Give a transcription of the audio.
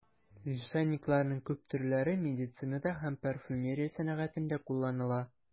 Лишайникларның күп төрләре медицинада һәм парфюмерия сәнәгатендә кулланыла.